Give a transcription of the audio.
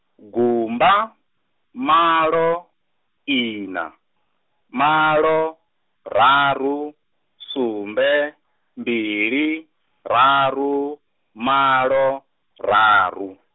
gumba, malo, ina, malo, raru, sumbe, mbili, raru, malo, raru.